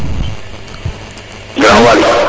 Grand Waly